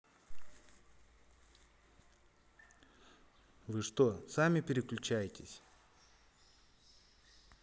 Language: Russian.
вы что сами переключаетесь